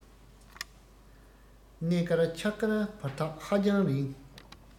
གནས བསྐལ ཆགས བསྐལ བར ཐག ཧ ཅང རིང